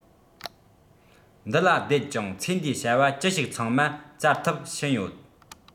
འདི ལ བསྡད ཅིང ཚེ འདིའི བྱ བ ཅི ཞིག ཚང མ བཙལ ཐུབ ཕྱིན ཡོད